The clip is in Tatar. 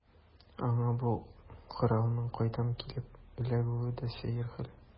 Аңа бу коралның кайдан килеп эләгүе дә сәер хәл.